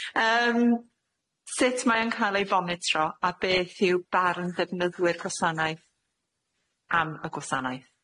Yym, sut mae o'n ca'l ei fonitro, a beth yw barn ddefnyddwyr gwasanaeth am y gwasanaeth?